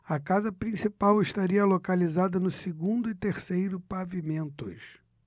a casa principal estaria localizada no segundo e terceiro pavimentos